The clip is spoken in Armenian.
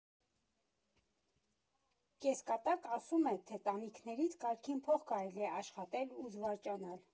Կեսկատակ ասում է, թե տանիքներից կարգին փող կարելի է աշխատել ու զվարճանալ։